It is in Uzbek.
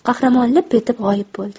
qahramon lip etib g'oyib bo'ldi